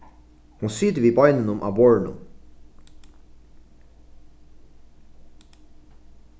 hon situr við beinunum á borðinum